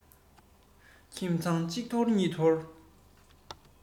ཁྱིམ ཚང གཅིག འཐོར གཉིས འཐོར